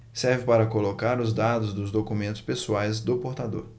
serve para colocar os dados dos documentos pessoais do portador